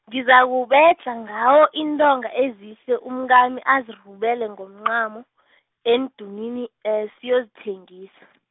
ngizakubedlha ngawo iintonga ezihle umkami azirubele ngomncamo, endunwuni, siyozithengisa.